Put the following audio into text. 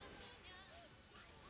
нет иди завтра за меня на работу